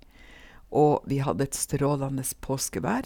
Og vi hadde et strålende påskevær.